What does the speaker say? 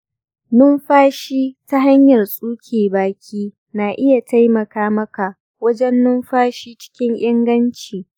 numfashi ta hanyar tsuke baki na iya taimaka maka wajen numfashi cikin inganci.